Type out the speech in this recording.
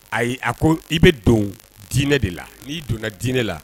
Ayi a ko i bɛ don dinɛ de la n'i donna diinɛ la